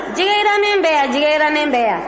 jɛgɛ jirannen bɛ yan jɛgɛ jirannen bɛ yan